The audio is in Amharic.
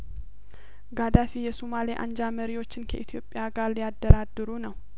ጋዳፊ የሱማሌ አንጃ መሪዎችን ከኢትዮጵያ ጋር ሊያደራድሩ ነው